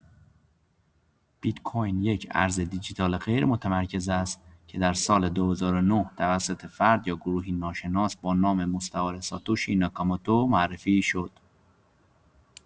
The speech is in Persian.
بیت‌کوین یک ارز دیجیتال غیرمتمرکز است که در سال ۲۰۰۹ توسط فرد یا گروهی ناشناس با نام مستعار «ساتوشی ناکاموتو» معرفی شد.